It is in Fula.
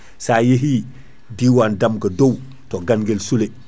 sa yeehi diwan damgua doow to Ganguel Soule